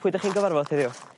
Pwy 'dach chi'n gyfarfod heddiw?